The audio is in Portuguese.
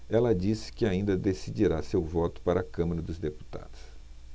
ela disse que ainda decidirá seu voto para a câmara dos deputados